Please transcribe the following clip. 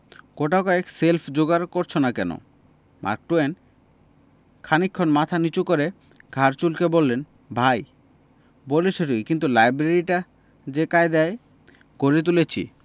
গোটাকয়েক shelf যোগাড় করছ না কেন মার্ক টুয়েন খানিকক্ষণ মাথা নিচু করে ঘাড় চুলকে বললেন ভাই বলেছ ঠিকই কিন্তু লাইব্রেরিটা যে কায়দায় গড়ে তুলেছি